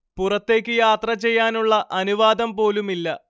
പുറത്തേക്ക് യാത്ര ചെയ്യാനുള്ള അനുവാദം പോലുമില്ല